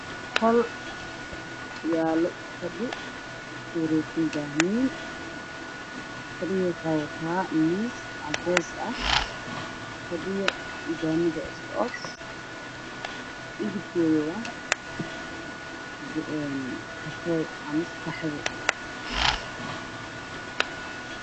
Qol yaalo fadhi ku wareegsan daahyo fadhiga wuxuu wataa miis cadees ah fadhiga iyo damiga waa isku oksi midabkoodu waa kafeey ama qaxwi